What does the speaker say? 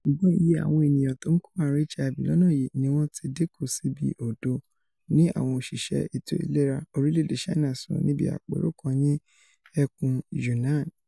Ṣùgbọn iye àwọn ènìyàn tó ńkó ààrùn HIV lọ́nà yìí ni wọ́n ti dínkù sí bíi òdo, ni àwọn òṣìṣẹ́ ètò ìlera orílẹ̀-èdè Ṣáínà sọ níbi àpérò kan ni ẹkùn Yunnan.